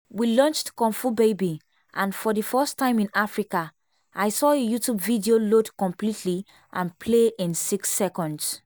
We launched Kung Fu baby and for the first time in Africa, I saw a YouTube video load completely and play in 6 seconds.